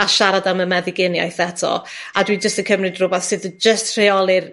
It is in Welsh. a siarad am y meddyginiaeth eto. A dwi jyst yn cymryd rhywbath sydd y- jyst rheoli'r